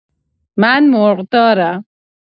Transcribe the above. من مرغدارم.